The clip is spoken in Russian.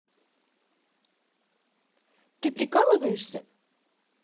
ты прикалываешься